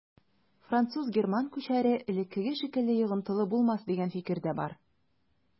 Француз-герман күчәре элеккеге шикелле йогынтылы булмас дигән фикер дә бар.